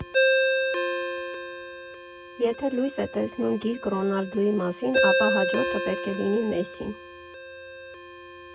Եթե լույս է տեսնում գիրք Ռոնալդուի մասին, ապա հաջորդը պետք է լինի Մեսսին։